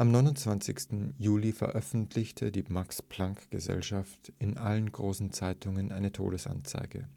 29. Juli veröffentlichte die Max-Planck-Gesellschaft in allen großen Zeitungen eine Todesanzeige